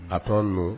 A tɔ ninnu